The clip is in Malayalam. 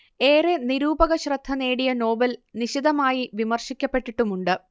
ഏറെ നിരൂപകശ്രദ്ധ നേടിയ നോവൽ നിശിതമായി വിമർശിക്കപ്പെട്ടിട്ടുമുണ്ട്